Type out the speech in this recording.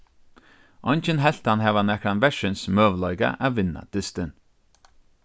eingin helt hann hava nakran verðsins møguleika at vinna dystin